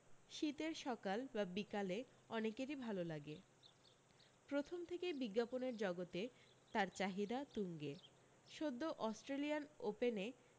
শীতের সকাল বা বিকালে অনেকেরি ভাল লাগে প্রথম থেকেই বিজ্ঞাপনের জগতে তার চাহিদা তুঙ্গে সদ্য অস্ট্রেলিয়ান ওপেনে